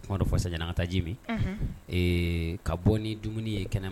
Ka taajimi ka bɔ ni dumuni ye kɛnɛ